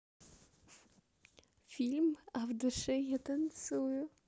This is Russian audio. фильм а в душе я танцую